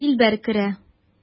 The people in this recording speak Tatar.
Дилбәр керә.